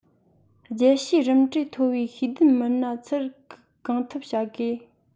རྒྱལ ཕྱིའི རིམ གྲས མཐོ བའི ཤེས ལྡན མི སྣ ཚུར བཀུག གང ཐུབ བྱ དགོས